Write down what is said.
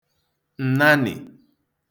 ǹnanị̀